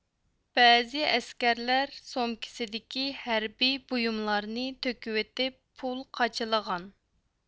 بەزى ئەسكەرلەر سومكىسىدىكى ھەربىي بۇيۇملارنى تۆكۈۋېتىپ پۇل قاچىلىغان